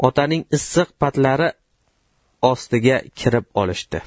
otaning issiq patlari ostiga kirib olishdi